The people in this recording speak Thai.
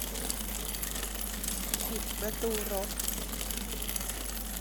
ปิดประตูรถ